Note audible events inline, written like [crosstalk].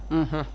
[hesitation] [hesitation]